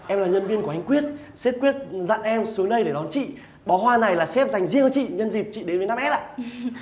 em là nhân viên của anh quyết sếp quyết dặn em xuống đây để đón chị bó hoa này là sếp dành riêng cho chị nhân dịp chị đến với năm ét ạ